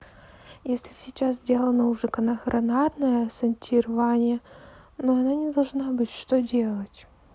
если сейчас сделано уже коронарное sentir вание но она не должна быть что делать